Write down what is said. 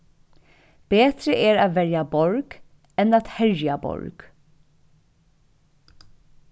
betri er at verja borg enn at herja borg